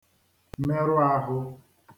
merụ āhụ̄